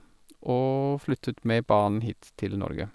Og flyttet med barn hit til Norge.